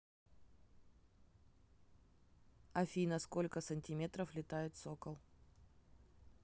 афина сколько сантиметров летает сокол